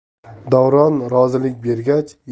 davron rozilik bergach